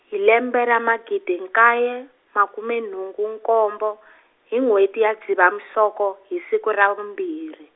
hi lembe ra magidi nkaye makume nhungu nkombo hi n'hweti ya Dzivamisoko hi siku ra vumbirhi.